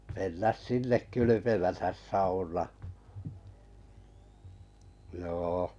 mennä sinne kylpemättä saunaan joo